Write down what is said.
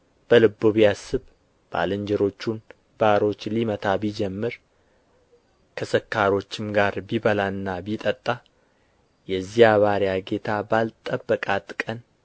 በልቡ ቢያስብ ባልንጀሮቹን ባሮች ሊመታ ቢጀምር ከሰካሮችም ጋር ቢበላና ቢጠጣ የዚያ ባሪያ ጌታ ባልጠበቃት ቀን